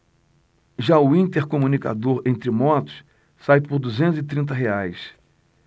já o intercomunicador entre motos sai por duzentos e trinta reais